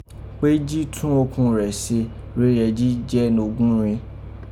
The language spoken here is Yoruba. pé ji tọ́n okun rẹ se rèé yẹ ji jẹ ẹ́ nógún rin.